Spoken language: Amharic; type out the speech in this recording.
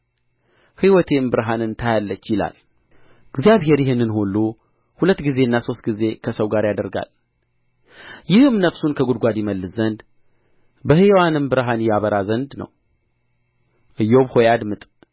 ሕይወቴም ብርሃንን ታያለች ይላል እግዚአብሔር ይህን ሁሉ ሁለት ጊዜና ሦስት ጊዜ ከሰው ጋር ያደርጋል ይህም ነፍሱን ከጕድጓድ ይመልስ ዘንድ በሕያዋንም ብርሃን ያበራ ዘንድ ነው ኢዮብ ሆይ አድምጥ